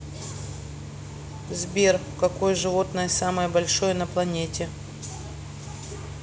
сбер какое животное самое большое на планете